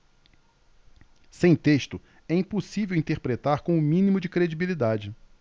sem texto é impossível interpretar com o mínimo de credibilidade